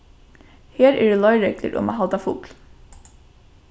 her eru leiðreglur um at halda fugl